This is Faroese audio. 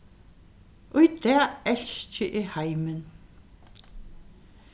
í dag elski eg heimin